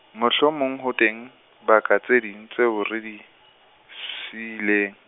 mohlomong ho teng, baka tse ding, tseo re di, siileng.